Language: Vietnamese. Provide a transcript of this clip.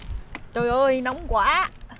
trời ơi nóng quá